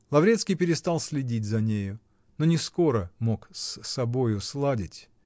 Лаврецкий перестал следить за нею, но не скоро мог с собою сладить.